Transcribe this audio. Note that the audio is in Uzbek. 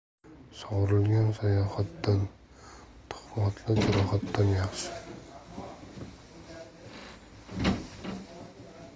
sovrilgan sayohatdan tuhmatli jarohat yaxshi